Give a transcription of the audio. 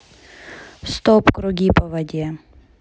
стоп круги по воде